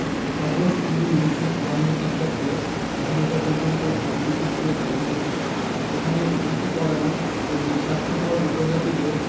August দুই উনিশশ চুয়ান্ন খ্রীষ্টাব্দে স্বাধীনতা পর্যন্ত পর্তুগীজদের দখলে ছিল এখানে অতিথিপরায়ন ও নিস্বার্থপর উপজাতিদের